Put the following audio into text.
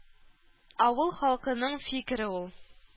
Авыл халкының фикере ул.